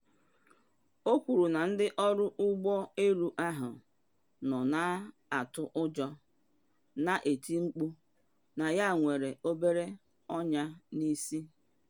O kwuru na ndị ọrụ ụgbọ elu ahụ nọ na atụ ụjọ na eti mkpu, na ya nwere obere ọnya n’isi.